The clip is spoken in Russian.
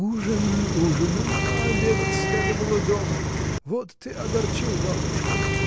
— Ужин ужином, а обедать следовало дома: вот ты огорчил бабушку!